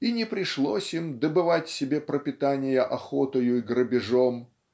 и не пришлось им добывать себе пропитания охотою и грабежом